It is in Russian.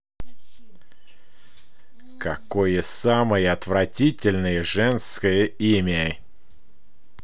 какое самое отвратительное женское имя